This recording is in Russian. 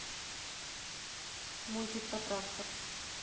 мультики про трактор